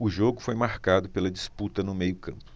o jogo foi marcado pela disputa no meio campo